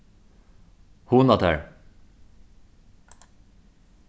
hugna tær